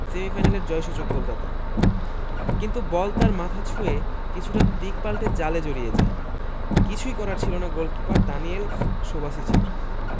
সেমিফাইনালের জয়সূচক গোলদাতা কিন্তু বল তার মাথা ছুঁয়ে কিছুটা দিক পাল্টে জালে জড়িয়ে যায় কিছুই করার ছিল না গোলকিপার দানিয়েল সুবাসিচের